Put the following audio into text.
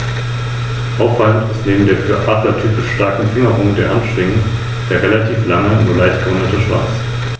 Über das Ansehen dieser Steuerpächter erfährt man etwa in der Bibel.